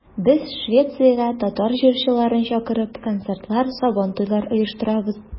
Без, Швециягә татар җырчыларын чакырып, концертлар, Сабантуйлар оештырабыз.